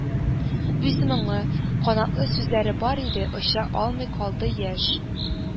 Үз моңы, канатлы сүзләре бар иде, оча алмый калды яшь